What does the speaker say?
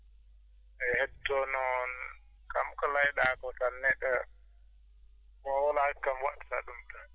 eeyi heddotoo noon kam ko laayɗaa koo tan neɗɗo mo hoolaaki kam waɗata ɗum tan